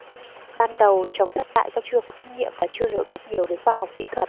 ban đầu trồng thất bại do chưa có kinh nghiệm và chưa hiểu biết nhiều về khoa học kỹ thuật